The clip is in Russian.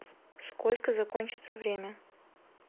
сколько закончится время